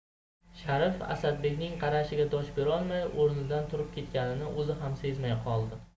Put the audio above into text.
sharif asadbekning qarashiga dosh berolmay o'rnidan turib ketganini o'zi ham sezmay qoldi